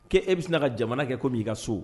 Ko e bɛ se ka jamana kɛ ko min' i ka so